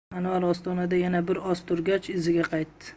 anvar ostonada yana bir oz turgach iziga qaytdi